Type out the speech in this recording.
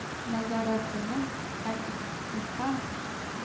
Нәзарәтенең “әл-и'тисам”